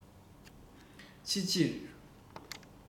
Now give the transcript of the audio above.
ཕྱི ཕྱིར